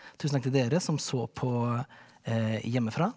tusen takk til dere som så på hjemmefra.